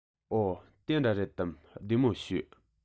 འོ དེ འདྲ རེད དམ བདེ མོ བྱོས